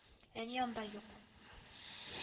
Әни анда юк